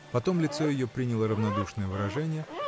Потом лицо ее приняло равнодушное выражение